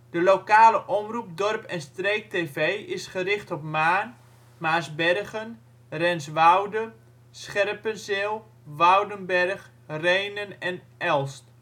lokale omroep Dorp en streek tv, is gericht op Maarn, Maarsbergen, Renswoude, Scherpenzeel, Woudenberg, Rhenen en Elst